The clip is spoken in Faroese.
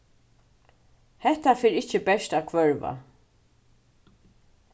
hetta fer ikki bert at hvørva